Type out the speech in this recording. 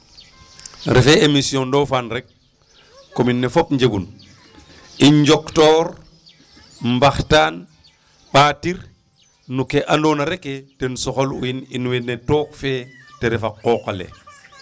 Refe émission ndofane rek commune ne fop njegun i njoktoor mbaxtaan ɓatir no ke andoona rek ke ten soxalu in in wene took fe ta refa qooq ale.